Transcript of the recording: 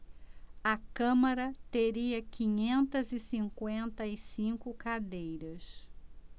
a câmara teria quinhentas e cinquenta e cinco cadeiras